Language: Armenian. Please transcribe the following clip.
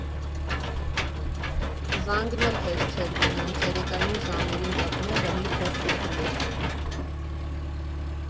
Զանգն էլ հեշտ չէր գնում, ցերեկային ժամերին կպնելը մի փորձություն էր։